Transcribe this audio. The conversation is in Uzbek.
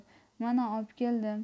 mana obkeldim